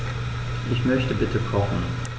Ich möchte bitte kochen.